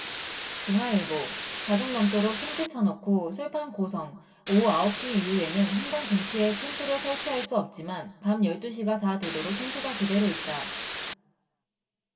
동아일보 자정 넘도록 텐트 쳐놓고 술판 고성오후 아홉 시 이후에는 한강 둔치에 텐트를 설치할 수 없지만 밤 열 두 시가 다 되도록 텐트가 그대로 있다